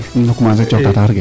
nu commencer cooxta taxar ke